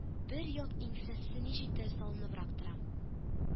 Бер як иңсәсе ничектер салыныбрак тора